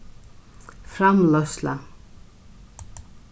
framleiðsla